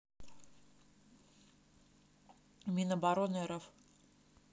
минобороны рф